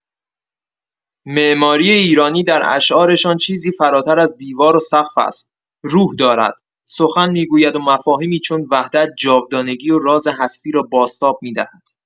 معماری ایرانی در اشعارشان چیزی فراتر از دیوار و سقف است؛ روح دارد، سخن می‌گوید و مفاهیمی چون وحدت، جاودانگی و راز هستی را بازتاب می‌دهد.